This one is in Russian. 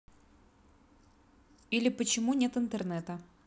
или почему нет интернета